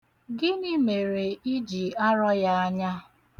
Gịnị mere ị ji arọ ya anya?